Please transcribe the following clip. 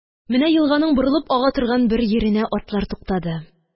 Менә елганың борылып ага торган бер йиренә атлар туктады